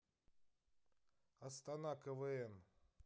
астана квн